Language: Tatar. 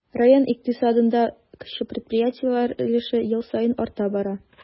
Район икътисадында кече предприятиеләр өлеше ел саен арта бара.